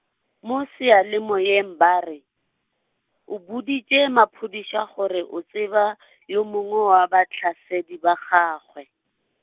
mo seyalemoyeng ba re, o boditše maphodisa gore o tseba , yo mongwe wa bahlasedi ba gagwe.